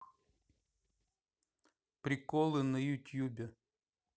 приколы на ютубе